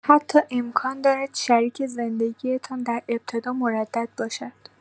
حتی امکان دارد شریک زندگی‌تان در ابتدا مردد باشد